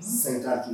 Bɛ k'a kɛ